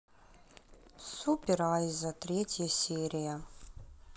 супер айза третья серия